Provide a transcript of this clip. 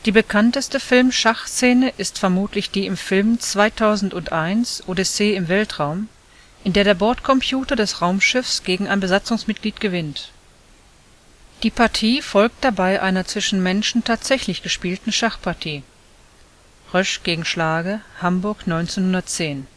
bekannteste Filmschachszene ist vermutlich die im Film 2001 – Odyssee im Weltraum, in der der Bordcomputer des Raumschiffs gegen ein Besatzungsmitglied gewinnt. Die Partie folgt dabei einer zwischen Menschen tatsächlich gespielten Schachpartie (Roesch – Schlage, Hamburg 1910). In